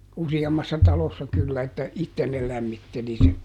useammassa talossa kyllä että itse ne lämmitteli sen